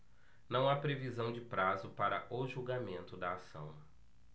não há previsão de prazo para o julgamento da ação